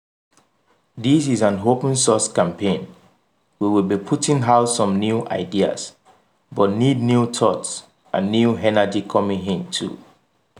This is an open-source campaign – we'll be putting out some new ideas, but need new thoughts and new energy coming in too.